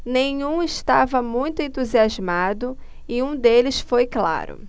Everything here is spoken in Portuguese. nenhum estava muito entusiasmado e um deles foi claro